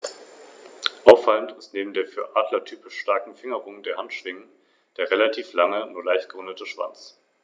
Über das Ansehen dieser Steuerpächter erfährt man etwa in der Bibel.